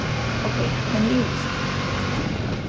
ókey men eg ivist